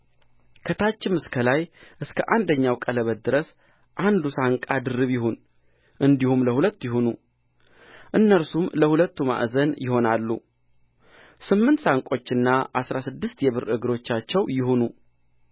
ከታችም እስከ ላይ እስከ አንደኛው ቀለበት ድረስ አንዱ ሳንቃ ድርብ ይሁን እንዲሁም ለሁለቱ ይሁን እነርሱም ለሁለቱ ማዕዘን ይሆናሉ ስምንት ሳንቆችና አሥራ ስድስት የብር እግሮቻቸው ይሁኑ